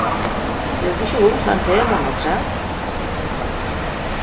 hevur tú ikki hug til ein temunn afturat